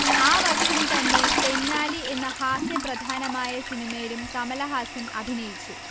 ആ വർഷം തന്നെ തെന്നാലി എന്ന ഹാസ്യപ്രധാനമായ സിനിമയിലും കമലഹാസൻ അഭിനയിച്ചു